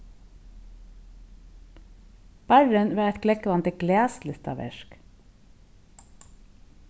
barrin var eitt glógvandi glaslistaverk